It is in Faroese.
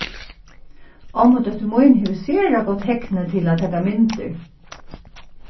ommudóttir mín hevur sera gott hegni til at taka myndir